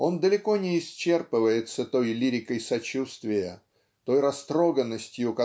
Он далеко не исчерпывается той лирикой сочувствия той растроганностью